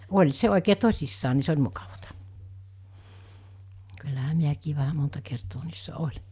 oli se oikein tosissaan niin se oli mukavaa kyllähän minäkin vähän monta kertaa niissä olin